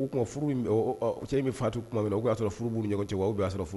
Cɛ in bɛ faatu tuma min o y'a sɔrɔ furu bu ni ɲɔgɔn cɛ wa oubien o ya sɔrɔ furu